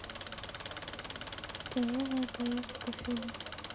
тяжелая поездка фильм